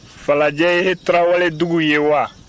falajɛ ye taraweledugu ye wa